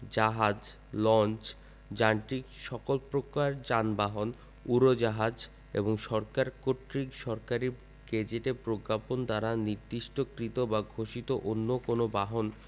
tram জাহাজ launch যান্ত্রিক সকল প্রকার জন যানবাহন উড়োজাহাজ এবং সরকার কর্তৃক সরকারী গেজেটে প্রজ্ঞাপন দ্বারা নির্দিষ্টকৃত বা ঘোষিত অন্য যে কোন বাহন